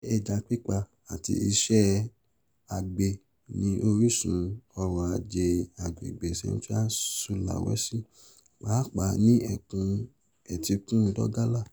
Iṣẹ́ ẹja pípa àti iṣẹ́ àgbẹ̀ ni orísun ọrọ̀ ajé àgbègbè Central Sulawesi, pàápàá ní ẹkùn etíkun Donggala.